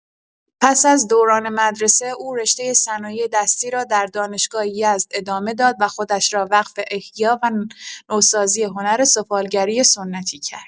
پس از دوران مدرسه، او رشته صنایع‌دستی را در دانشگاه یزد ادامه داد و خودش را وقف احیا و نوسازی هنر سفالگری سنتی کرد.